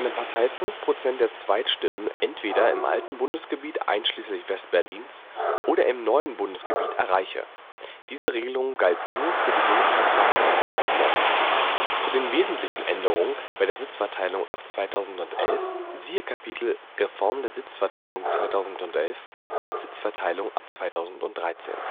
Partei 5 % der Zweitstimmen entweder im alten Bundesgebiet einschließlich West-Berlins oder im neuen Bundesgebiet erreiche. Diese Regelung galt nur für die Bundestagswahl 1990. Zu den wesentlichen Änderungen bei der Sitzverteilung ab 2011 siehe die Kapitel Reform der Sitzverteilung 2011 und Sitzverteilung ab 2013